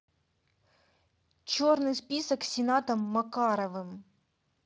черный список сенатом макаровым